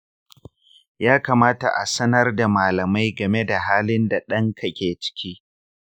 ya kamata a sanar da malamai game da halin da ɗan ka ke ciki.